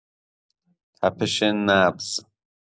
طپش نبض